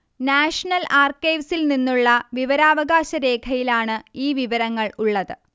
national ആർക്കൈവ്സിൽ നിന്നുള്ള വിവരാവകാശ രേഖയിലാണ് ഈ വിവരങ്ങൾ ഉള്ളത്